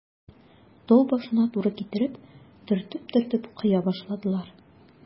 Тау башына туры китереп, төртеп-төртеп коя башладылар.